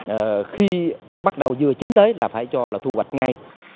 ờ khi bắt đầu vừa chín tới là phải cho là thu hoạch ngay